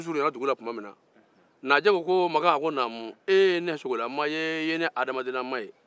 u surunyana dugu la tuma min na naaje ko maka e ye ne sogolama ye i ye n mɔgɔlama ye